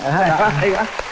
hay quá hay quá